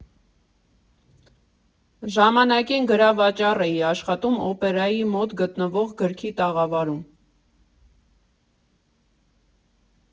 Ժամանակին գրավաճառ էի աշխատում Օպերայի մոտ գտնվող գրքի տաղավարում։